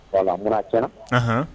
N kɛra